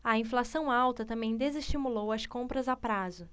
a inflação alta também desestimulou as compras a prazo